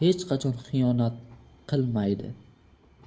hech qachon xiyonat qilmaydi